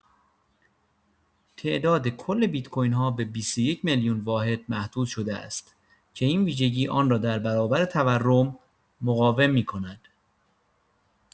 تعداد کل بیت‌کوین‌ها به ۲۱ میلیون واحد محدود شده است که این ویژگی آن را در برابر تورم مقاوم می‌کند.